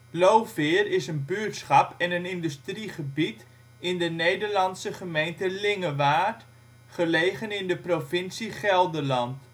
Looveer is een buurtschap en een industriegebied de Nederlandse gemeente Lingewaard, gelegen in de provincie Gelderland